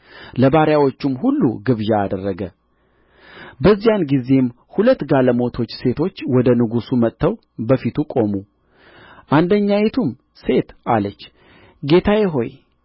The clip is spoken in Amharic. አቀረበ ለባሪያዎቹም ሁሉ ግብዣ አደረገ በዚያን ጊዜም ሁለት ጋለሞቶች ሴቶች ወደ ንጉሡ መጥተው በፊቱ ቆሙ አንደኛይቱም ሴት አለች ጌታዬ ሆይ